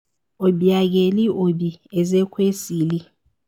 Obiageli [Oby] Ezekwesili